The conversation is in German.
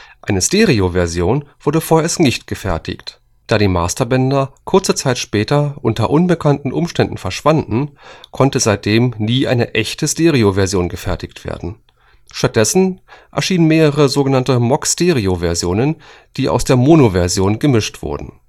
Eine Stereo-Version wurde vorerst nicht gefertigt. Da die Masterbänder kurze Zeit später unter unbekannten Umständen verschwanden, konnte seitdem nie eine echte Stereo-Version gefertigt werden. Stattdessen erschienen mehrere sogenannte „ Mock-Stereo-Versionen “, die aus der Monoversion gemischt wurden